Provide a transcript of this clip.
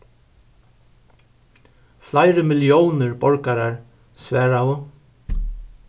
fleiri milliónir borgarar svaraðu